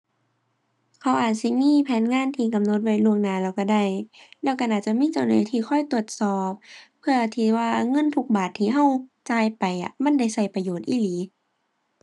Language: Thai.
เขาอาจสิมีแผนงานที่กำหนดไว้ล่วงหน้าแล้วก็ได้ แล้วก็น่าจะมีเจ้าหน้าที่คอยตรวจสอบ เพื่อที่ว่าเงินทุกบาทที่ก็จ่ายไปอะ มันได้ก็ประโยชน์อีหลี